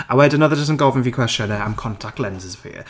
A wedyn oedd e jyst yn gofyn fi cwestiynau am contact lenses fi.